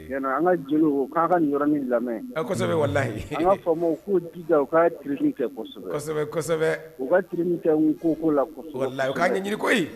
An ka jeliw k'an ka min lamɛn walayi an ka fa k'uja u k kaini kɛ u kariini kɛ ko ko' ka jiri